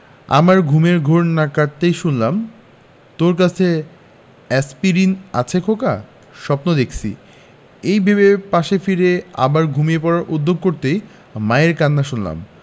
আমার ঘুমের ঘোর না কাটতেই শুনলাম তোর কাছে এ্যাসপিরিন আছে খোকা স্বপ্ন দেখছি এই ভেবে পাশে ফিরে আবার ঘুমিয়ে পড়ার উদ্যোগ করতেই মায়ের কান্না শুনলাম